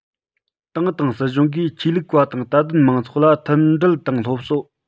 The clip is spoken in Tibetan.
ཏང དང སྲིད གཞུང གིས ཆོས ལུགས པ དང དད ལྡན མང ཚོགས ལ མཐུན སྒྲིལ དང སློབ གསོ